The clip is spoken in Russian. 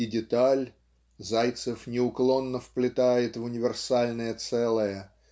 и деталь Зайцев неуклонно вплетает в универсальное целое